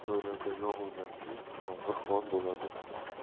turadi ba'zi joylarda yog'ingarchilik yomg'ir qor bo'ladi